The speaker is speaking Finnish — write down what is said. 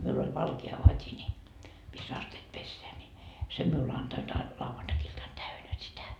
minulla oli valkea vati niin missä astiat pestään niin sen minulle antoivat - lauantai-iltana täynnä sitä